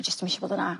jyst dim isio bod yna